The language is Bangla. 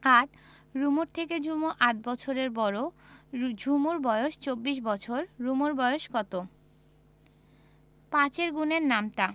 ৮ রুমুর থেকে ঝুমু ৮ বছরের বড় ঝুমুর বয়স ২৪ বছর রুমুর বয়স কত ৫ এর গুণের নামতা